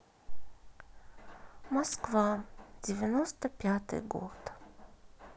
москва девятьсот пятый год